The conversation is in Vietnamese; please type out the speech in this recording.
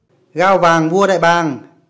gao vàng vua đại bàng